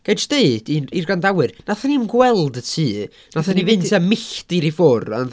Ga i jyst deud i i'r gwrandawyr, wnaethon ni'm gweld y tŷ. Wnaethon ni fynd tua milltir i ffwrdd.